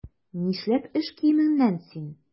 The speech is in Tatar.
Нишләп эш киеменнән син?